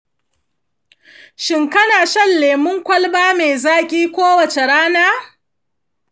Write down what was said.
shin kana shan lemun kwalba mai zaƙi kowace rana?